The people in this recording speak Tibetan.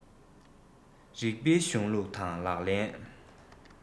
རིགས པའི གཞུང ལུགས དང ལག ལེན